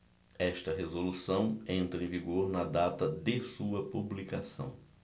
esta resolução entra em vigor na data de sua publicação